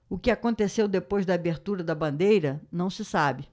o que aconteceu depois da abertura da bandeira não se sabe